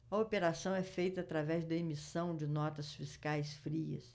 a operação é feita através da emissão de notas fiscais frias